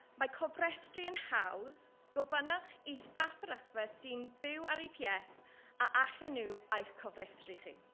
Mae cofrestru yn hawdd. Gofynnwch i staff fferyllfa sy'n fyw ar EPS a alla nhw eich cofrestru chi.